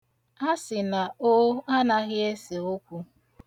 Asị na 'oo' anaghị ese okwu.